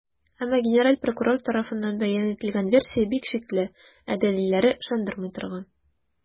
Әмма генераль прокурор тарафыннан бәян ителгән версия бик шикле, ә дәлилләре - ышандырмый торган.